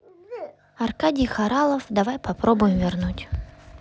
аркадий хоралов давай попробуем вернуть